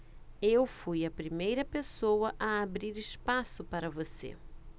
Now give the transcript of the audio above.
eu fui a primeira pessoa a abrir espaço para você